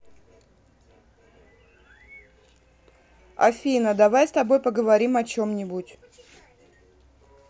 афина давай с тобой поговорим о чем нибудь